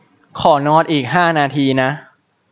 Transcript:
ขอนอนอีกห้านาทีนะ